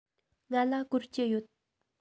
ང ལ སྒོར བཅུ ཡོད